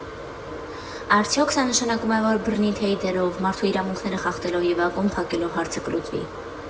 Արդյո՞ք սա նշանակում է, որ բռնի ռեյդերով, մարդու իրավունքները խախտելով ու ակումբ փակելով հարցը կլուծվի։